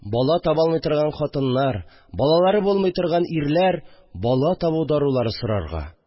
Бала таба алмый торган хатыннар, балалары булмый торган ирләр бала табу дарулара сорарга